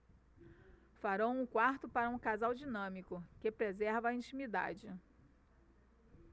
farão um quarto para um casal dinâmico que preserva a intimidade